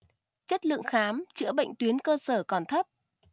chất lượng khám chữa bệnh tuyến cơ sở còn thấp